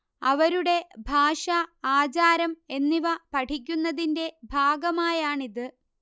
അവരുടെ ഭാഷ, ആചാരം എന്നിവ പഠിക്കുന്നതിന്റെ ഭാഗമായാണിത്